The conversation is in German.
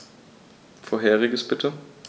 Vorheriges bitte.